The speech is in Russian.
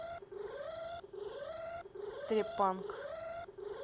трепанг